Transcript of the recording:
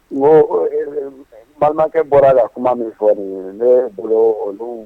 Ngo o e balimakɛ bɔra ka kuma min fɔ nin ye ne bolo olu